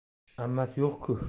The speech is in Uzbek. ammasi yo'q ku